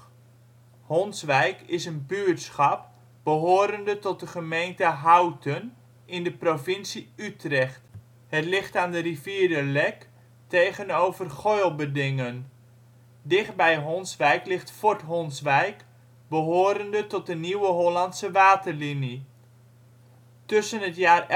buurtschap behorende tot de gemeente Houten, in de provincie Utrecht. Het ligt aan de rivier de Lek tegenover Goilberdingen. Dichtbij Honswijk ligt Fort Honswijk behorende tot de Nieuwe Hollandse Waterlinie. Tussen het jaar